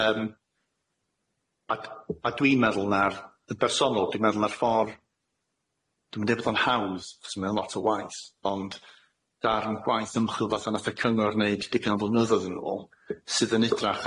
yym a- a dwi'n meddwl ma'r yy bersonol dwi'n meddwl ma'r ffor' dwi'm yn deud bod o'n hawdd achos ma' o lot o waith ond darn gwaith ymchwil fatha nath y cyngor neud digon o flynyddoedd yn ôl sydd yn edrach